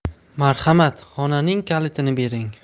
marhamat xonaning kalitini bering